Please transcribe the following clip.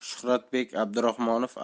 shuhratbek abdurahmonov